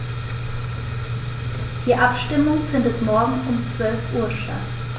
Die Abstimmung findet morgen um 12.00 Uhr statt.